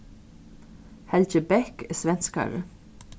helgi bech er svenskari